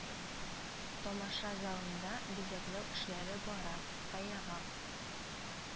Тамаша залында бизәкләү эшләре бара, фойега